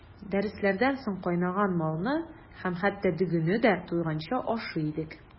Дәресләрдән соң кайнаган майны һәм хәтта дөгене дә туйганчы ашый идек.